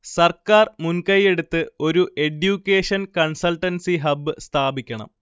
സർക്കാർ മുൻകൈയെടുത്ത് ഒരു എഡ്യൂക്കേഷൻ കൺസൾട്ടൻസി ഹബ് സ്ഥാപിക്കണം